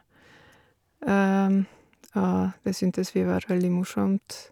Og det syntes vi var veldig morsomt.